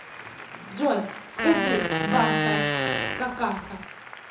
джой скажи баха какаха